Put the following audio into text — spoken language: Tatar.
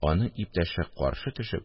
Аның иптәше, каршы төшеп